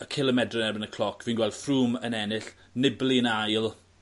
y cilomedre yn erbyn y cloc fi'n gwel' Froome yn ennill Nibali yn ail.